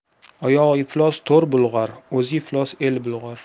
oyog'i iflos to'r bulg'ar o'zi iflos el bulg'ar